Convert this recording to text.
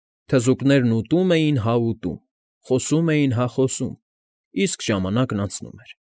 Թզուկներն ուտում էին հա ուտում, խոսում էին հա խոսում, իսկ ժամանակն անցնում էր։